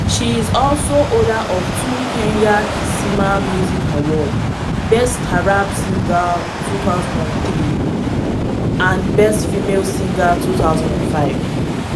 She is also holder of two Kenya Kisima Music Awards: Best Taraab Singer 2003 and Best Female Singer 2005.